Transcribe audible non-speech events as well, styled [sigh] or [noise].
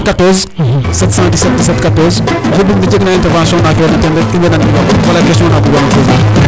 14 7171717 oxu bug na jeg intervention na fiyona ten rek in way na gilwang wala question na bugona poser [music]